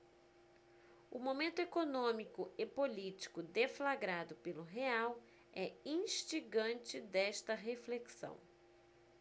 o momento econômico e político deflagrado pelo real é instigante desta reflexão